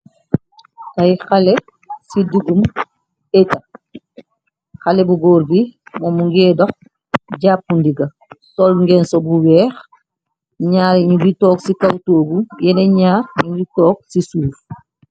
Ay xale ci dugum eta xale bu góor gi moom mu ngie dox jàpp ndiga sol ngeen su bu weex ñyaare ñu bnungi toog ci kawtoogu yenee ñyaar nu ngi toog ci suuf.